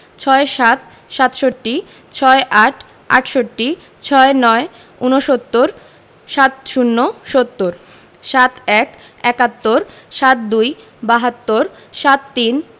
৬৭ – সাতষট্টি ৬৮ – আটষট্টি ৬৯ – ঊনসত্তর ৭০ - সত্তর ৭১ – একাত্তর ৭২ – বাহাত্তর ৭৩